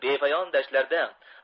bepoyon dashtlarda